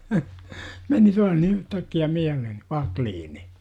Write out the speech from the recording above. meni taas niin yhtäkkiä mieleen Wacklin